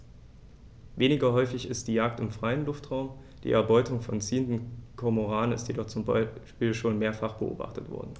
Weniger häufig ist die Jagd im freien Luftraum; die Erbeutung von ziehenden Kormoranen ist jedoch zum Beispiel schon mehrfach beobachtet worden.